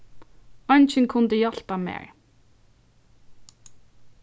eingin kundi hjálpa mær